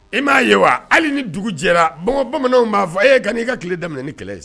E m'a ye wa hali ni dugu jɛra bamananww b'a fɔ a' ye kan n'i ka tile daminɛ ni kɛlɛ ye